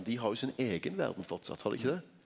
dei har jo sin eigen verd framleis, har dei ikkje det?